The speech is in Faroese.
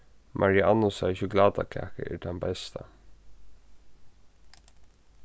mariannusa sjokulátakaka er tann besta